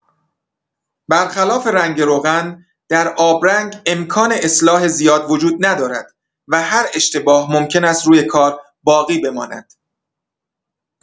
برخلاف رنگ روغن، در آبرنگ امکان اصلاح زیاد وجود ندارد و هر اشتباه ممکن است روی کار باقی بماند.